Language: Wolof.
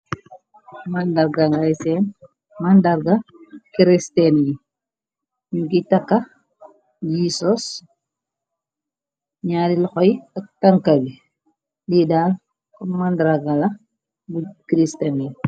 Mandarga ngay seen màndarga kristen yi. Nyu gi takkax jisos ñaari laxoy ak tanka bi liidaal ko màndragala bu kristen yi.